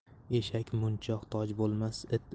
eshak munchoq toj bo'lmas